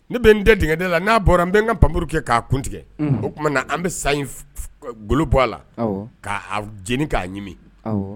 Ne bɛ n den tigɛ la n'a bɔra an n bɛn n ka nppmuru kɛ k'a kun tigɛ o tuma an bɛ sa golo bɔ a la k' jeni k'a ɲimi